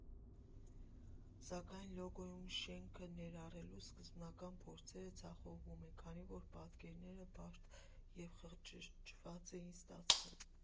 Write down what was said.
Սակայն լոգոյում շենքը ներառելու սկզբնական փորձերը ձախողվում են, քանի որ պատկերները բարդ և խճճված էին ստացվում.